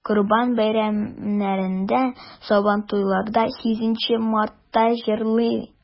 Корбан бәйрәмнәрендә, Сабантуйларда, 8 Мартта җырлый.